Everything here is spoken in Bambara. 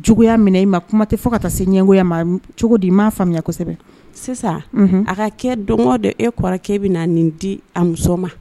juguya minɛ i ma kuma tɛ fɔ fo ka se ɲɛgoya cogo di i m ma faamuya kosɛbɛ sisan a ka kɛ dɔn dɔ e kɔrɔkɛ bɛ na nin di a muso ma